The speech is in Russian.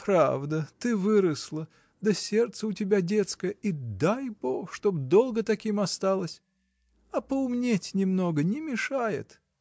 — Правда, ты выросла, да сердце у тебя детское, и дай Бог, чтоб долго таким осталось! А поумнеть немного не мешает.